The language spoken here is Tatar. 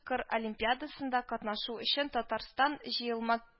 Кыр олимпиадасында катнашу өчен татарстан җыелма